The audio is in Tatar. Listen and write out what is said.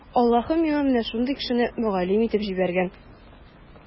Аллаһы миңа менә шундый кешене мөгаллим итеп җибәргән.